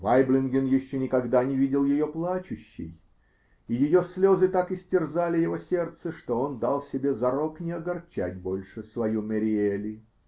Вайблинген еще никогда не видел ее плачущей, и ее слезы так истерзали его сердце, что он дал себе зарок не огорчать больше свою Мэриели.